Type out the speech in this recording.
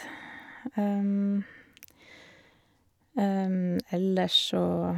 Ellers så...